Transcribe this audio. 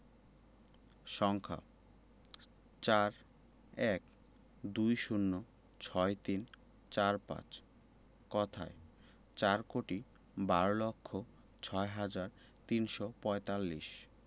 সংখ্যাঃ ৪ ১২ ০৬ ৩৪৫ কথায়ঃ চার কোটি বার লক্ষ ছয় হাজার তিনশো পঁয়তাল্লিশ